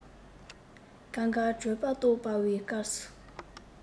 སྐབས འགར གྲོད པ ལྟོགས པའི སྐབས སུ